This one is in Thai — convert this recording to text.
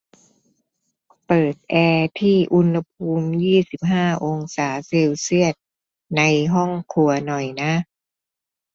เปิดแอร์ที่อุณหภูมิยี่สิบห้าองศาเซลเซียสในห้องครัวหน่อยนะ